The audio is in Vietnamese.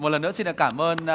một lần nữa xin được cảm ơn